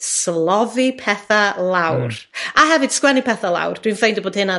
slofi petha' lawr... Hmm. ...a hefyd sgwennu petha lawr. dwi'n ffeindio bod hynna'n